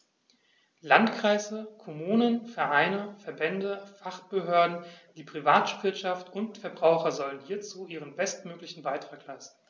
Landkreise, Kommunen, Vereine, Verbände, Fachbehörden, die Privatwirtschaft und die Verbraucher sollen hierzu ihren bestmöglichen Beitrag leisten.